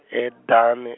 eDani.